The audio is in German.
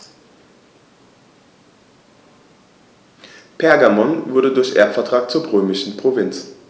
Pergamon wurde durch Erbvertrag zur römischen Provinz.